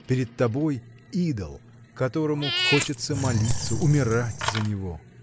Перед тобой — идол, которому хочется молиться, умирать за него.